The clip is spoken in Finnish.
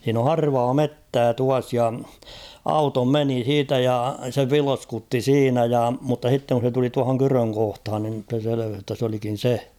siinä on harvaa metsää tuossa ja auto meni siitä ja se vilskutti siinä ja mutta sitten kun se tuli tuohon kydön kohtaan niin se selvisi jotta se olikin se